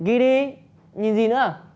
ghi đi nhìn gì nữa